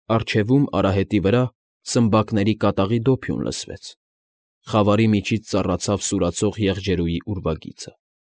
Առջևում արահետի վրա սմբակների կատաղի դոփյուն լսվեց, խավրի միջից ծառացավ սուրացող եղջերուի ուրվագիծը։